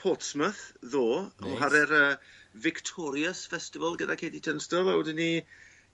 Portsmuth ddo'. Reit. Yn chware'r yy Victorious Festival gyda Katy Tungstell a wedyn 'ny